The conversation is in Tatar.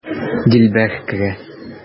Дилбәр керә.